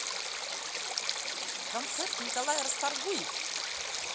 концерт николай расторгуев